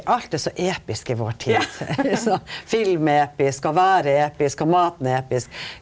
alt er så episk i vår tid så film er episk og veret er episk og maten er episk.